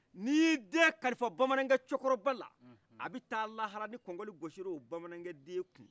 ni y'i den kalifa baman cɛkɔrɔbala abi ta lahara ni gɔngɔnli gocira o bamankɛ den kun